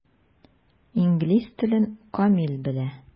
Инглиз телен камил белә.